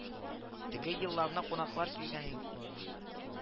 Теге елларны кунаклар килгәнг